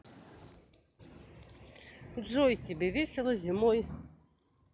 джой тебе весело зимой